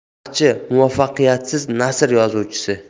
tarixchi muvaffaqiyatsiz nasr yozuvchisi